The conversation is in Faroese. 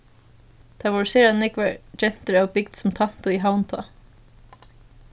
tað vóru sera nógvar gentur av bygd sum tæntu í havn tá